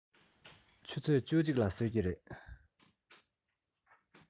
ཆུ ཚོད བཅུ གཅིག ལ གསོད ཀྱི རེད